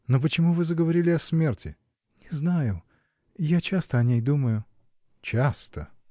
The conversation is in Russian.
Но почему вы заговорили о смерти? -- Не знаю. Я часто о ней думаю. -- Часто?